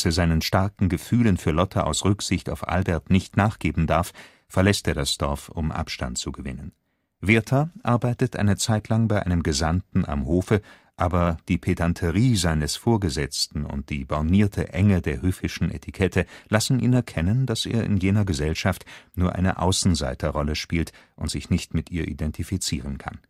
seinen starken Gefühlen für Lotte aus Rücksicht auf Albert nicht nachgeben darf, verlässt er das Dorf, um Abstand zu gewinnen. Werther arbeitet eine Zeit lang bei einem Gesandten am Hofe, aber die Pedanterie seines Vorgesetzten und die bornierte Enge der höfischen Etikette lassen ihn erkennen, dass er in jener Gesellschaft nur eine Außenseiterrolle spielt und sich nicht mit ihr identifizieren kann